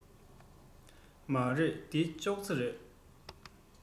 འདི རྐུབ བཀྱག རེད པས